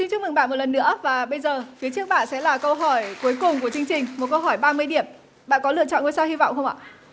xin chúc mừng bạn một lần nữa và bây giờ phía trước bạn sẽ là câu hỏi cuối cùng của chương trình một câu hỏi ba mươi điểm bạn có lựa chọn ngôi sao hy vọng không ạ